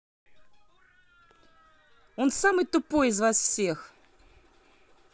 он самый тупой из вас всех